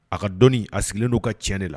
A ka dɔnni a sigilen' ka tiɲɛ ne la